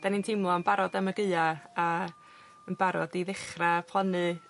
'dan ni'n teimlo yn barod am y Gaea a yn barod i ddechra plannu